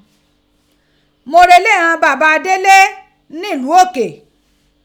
Mo re ilé ighan bàba Délé ní ìlú òkè.